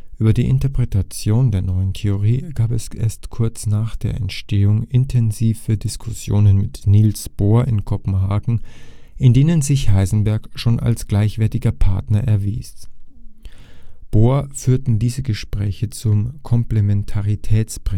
Über die Interpretation der neuen Theorie gab es kurz nach ihrer Entstehung intensive Diskussionen mit Niels Bohr in Kopenhagen, in denen sich Heisenberg schon als gleichwertiger Partner erwies. Bohr führten diese Gespräche zum Komplementaritätsprinzip